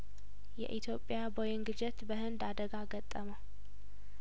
የኢትዮጵያ ቦይንግ ጀት በህንድ አደጋ ገጠመው